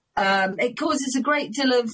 Um, it causes a great deal of